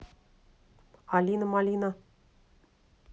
алина малина